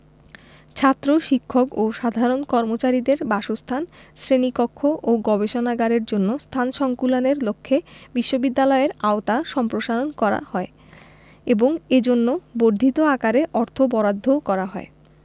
ছাত্র শিক্ষক ও সাধারণ কর্মচারীদের বাসস্থান শ্রেণীকক্ষ ও গবেষণাগারের জন্য স্থান সংকুলানের লক্ষ্যে বিশ্ববিদ্যালয়ের আওতা সম্প্রসারণ করা হয় এবং এজন্য বর্ধিত আকারে অর্থ বরাদ্দও করা হয়